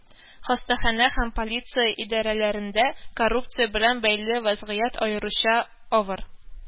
Хастаханә һәм полиция идарәләрендә коррупция белән бәйле вәзгыять аеруча авыр